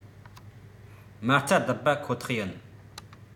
མ རྩ བརྡིབས པ ཁོ ཐག ཡིན